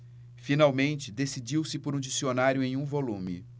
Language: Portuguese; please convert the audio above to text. finalmente decidiu-se por um dicionário em um volume